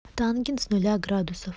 тангенс нуля градусов